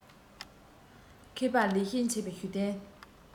མཁས པ ལེགས བཤད འཆད པའི ཞུ རྟེན